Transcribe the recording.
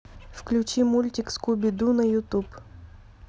включи мультик скуби ду на ютуб